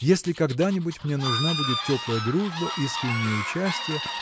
Если когда-нибудь мне нужна будет теплая дружба искреннее участие